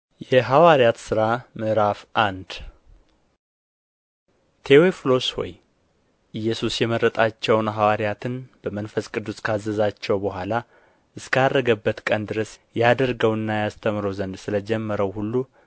የሐዋርያት ሥራ ምዕራፍ አንድ ቴዎፍሎስ ሆይ ኢየሱስ የመረጣቸውን ሐዋርያትን በመንፈስ ቅዱስ ካዘዛቸው በኋላ እስከ ዐረገበት ቀን ድረስ ያደርገውና ያስተምረው ዘንድ ስለ ጀመረው ሁሉ